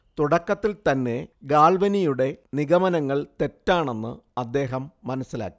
തുടക്കത്തിൽത്തന്നെ ഗാൽവനിയുടെ നിഗമനങ്ങൾ തെറ്റാണെന്ന് അദ്ദേഹം മനസ്സിലാക്കി